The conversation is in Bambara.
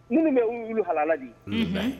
Minnu bɛ halala de ye.